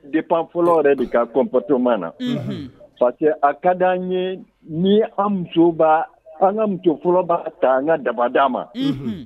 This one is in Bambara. De pananfɔ yɛrɛ bɛ ka kɔnptoma na pa a ka di' an ye ni an muso an muso fɔlɔba ta an ka daba d' an ma